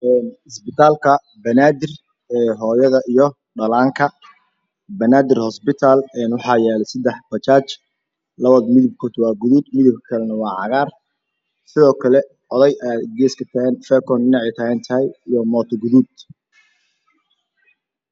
Isbitaalka banaadir waa hooyada iyo dhaalanka banaadir hospital waxaa yaalo sadex bajaaj labo midabkood waa guduud wa cagaar sidoo kale odey ayaa geeska taagan fekon dhinaca taaganyahay waa mooto guduud